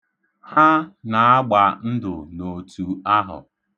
Ha na-agba ndụ n'otu ahụ.